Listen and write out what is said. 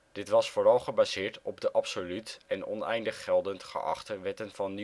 Dit was vooral gebaseerd op de absoluut en oneindig geldend geachte Wetten van